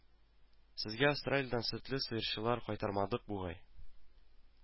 Сезгә Австралиядән сөтле сыерлар кайтартмадык, бугай